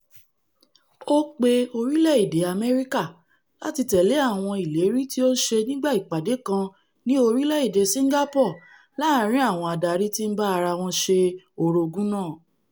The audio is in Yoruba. Ó pe orílẹ̀-èdè Àmẹ́ríkà láti tẹ̀lé àwọn ìlérí tí ó ṣe nígbà ìpàdé kan ní orílẹ̀-èdè Singapore láàrin àwọn adarí tí ńbá ara wọn ṣe orogún náà.